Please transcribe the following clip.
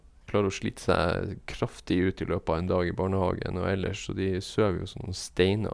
Klarer å slite seg kraftig ut i løpet av en dag i barnehagen og ellers, så de sover jo som noen steiner.